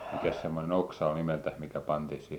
mikäs semmoinen oksa oli nimeltään mikä pantiin siihen